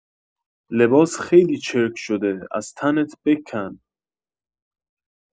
لباس خیلی چرک شده از تنت بکن